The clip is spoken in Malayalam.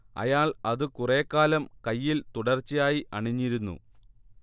അയാൾ അത് കുറേക്കാലം കൈയ്യിൽ തുടർച്ചയായി അണിഞ്ഞിരുന്നു